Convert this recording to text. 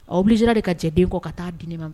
Ɔ bilisisera de ka cɛ den kɔ ka taa diin man kan